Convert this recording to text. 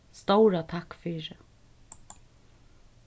stóra takk fyri